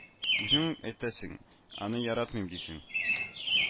Үзең үк әйтәсең, аны яратмыйм, дисең